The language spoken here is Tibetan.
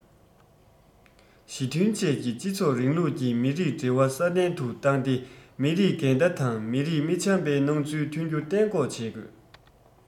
ཞི མཐུན བཅས ཀྱི སྤྱི ཚོགས རིང ལུགས ཀྱི མི རིགས འབྲེལ བ སྲ བརྟན དུ བཏང སྟེ མི རིགས འགལ ཟླ དང མི རིགས མི འཆམ པའི སྣང ཚུལ ཐོན རྒྱུ གཏན འགོག བྱེད དགོས